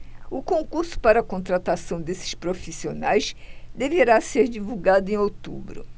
o concurso para contratação desses profissionais deverá ser divulgado em outubro